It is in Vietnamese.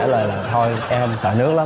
trả lời là thôi em sợ nước lắm